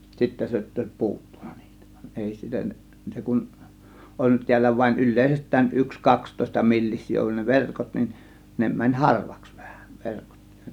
sitten se jotta olisi puuttunut niitä vaan ei sitä se kun ollut täällä vain yleisestään yksi kaksitoista millisiä ollut ne verkot niin ne meni harvaksi vähän verkot